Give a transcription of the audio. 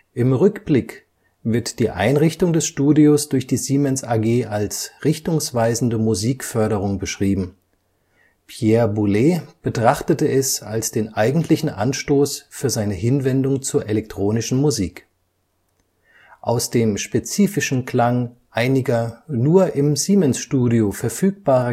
Im Rückblick wird die Einrichtung des Studios durch die Siemens AG als „ richtungsweisende Musikförderung “beschrieben, Pierre Boulez betrachtete es als den eigentlichen Anstoß für seine Hinwendung zur elektronischen Musik. Aus dem spezifischen Klang einiger nur im Siemens-Studio verfügbarer